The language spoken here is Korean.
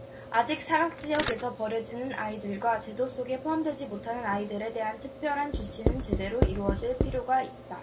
아직 사각지역에서 버려지는 아이들과 제도 속에 포함되지 못하는 아이들에 대한 특별한 조치는 제대로 이루어질 필요가 있다